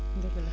dëgg la